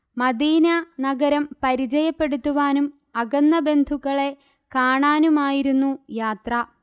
Medina നഗരം പരിചയപ്പെടുത്തുവാനും അകന്ന ബന്ധുക്കളെ കാണാനുമായിരുന്നു യാത്ര